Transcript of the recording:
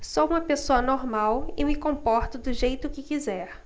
sou homossexual e me comporto do jeito que quiser